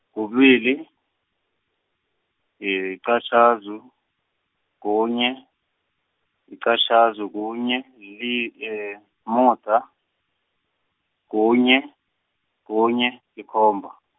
kubili, yiqatjhazi, kunye, yiqatjhazi, kunye, li umuda, kunye, kunye, likhomba.